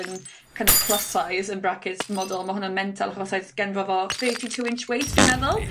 yn kind of plus size in brackets model ma' hwnna'n mental, 'chos ma size genddo fo thirty two inch waist fi'n meddwl.